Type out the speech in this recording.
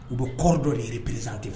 U bɛ kɔrɔɔri dɔ yɛrɛ perezte fɛ